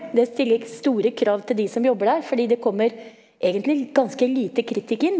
det stiller store krav til de som jobber der, fordi det kommer egentlig ganske lite kritikk inn.